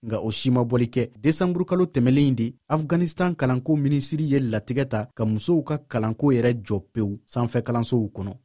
nka o si ma bɔli kɛ desanburukalo tɛmɛnen in de afiganisitan kalanko minisiri ye latigɛ ta ka musow ka kalanko yɛrɛ jɔ pewu sanfɛkalansow kɔnɔ